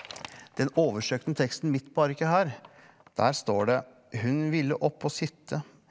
den overstrøkne teksten midt på arket her der står det hun ville opp og sitte.